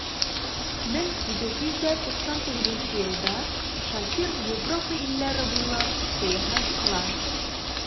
1899 елда шакир европа илләре буйлап сәяхәт кыла.